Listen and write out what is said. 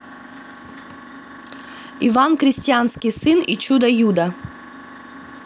иван крестьянский сын и чудо юдо